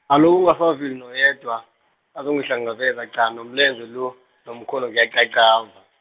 alo kungasaveli noyedwa azongihlangabeza qala nomlenze lo, nomkhono kuyaqaqamba.